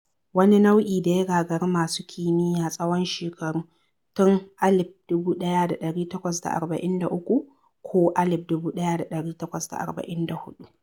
Wani nau'i da ya gagari masu kimiyya tsawon shekaru, tun 1843 ko 1844.